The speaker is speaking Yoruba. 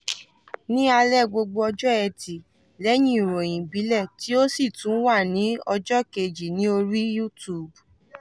Ní alẹ́ gbogbo ọjọ́ Ẹtì lẹ́yìn ìròyìn ìbílẹ̀, tí ó sì tún wà ní ọjọ́ kejì ní orí YouTube).